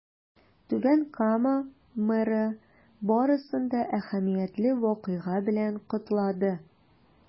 Түбән Кама мэры барысын да әһәмиятле вакыйга белән котлады.